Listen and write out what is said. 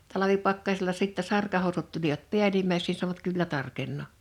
talvipakkasilla sitten sarkahousut tulivat päällimmäiseksi niin sanoivat kyllä tarkenee